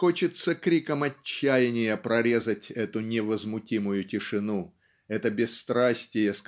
Хочется криком отчаяния прорезать эту невозмутимую тишину это бесстрастие